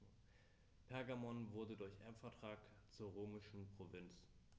Pergamon wurde durch Erbvertrag zur römischen Provinz.